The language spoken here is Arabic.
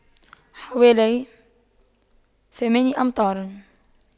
حوالي ثمان أمتار